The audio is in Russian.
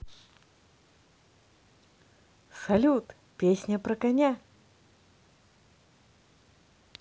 салют песня про коня